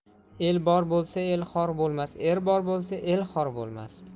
el bor bo'lsa er xor bo'lmas er bor bo'lsa el xor bo'lmas